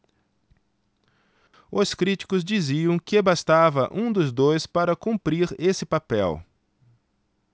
os críticos diziam que bastava um dos dois para cumprir esse papel